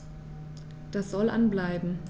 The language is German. Das soll an bleiben.